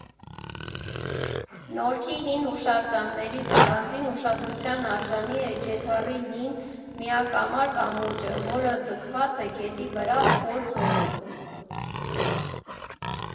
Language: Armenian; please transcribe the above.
Նորքի հին հուշարձաններից առանձին ուշադրության արժանի է Գետառի հին, միակամար կամուրջը, որ ձգված է գետի վրա խոր ձորում.